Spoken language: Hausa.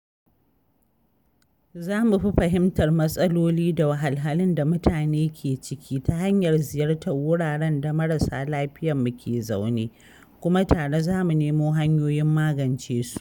Za mu fi fahimtar matsaloli da wahalhalun da mutane ke ciki ta hanyar ziyartar wuraren da marasa lafiyarmu ke zaune, kuma tare za mu nemo hanyoyin magance su.